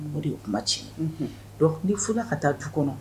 De ye kuma tiɲɛ ni furula ka taa du kɔnɔ